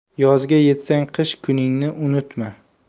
yozga yetsang qish kuningni unutma